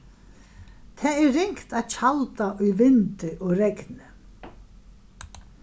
tað er ringt at tjalda í vindi og regni